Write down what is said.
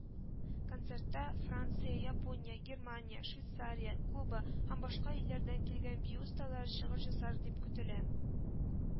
Концертта Франция, Япония, Германия, Швейцария, Куба һәм башка илләрдән килгән бию осталары чыгыш ясар дип көтелә